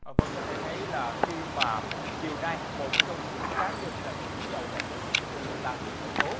vâng có thể thấy là khi mà chiều nay một trong những cá nhân là người đứng đầu ngành giáo dục của tỉnh sơn la bị khởi tố